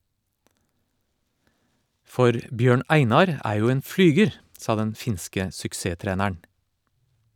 For Bjørn Einar er jo en flyger, sa den finske suksesstreneren.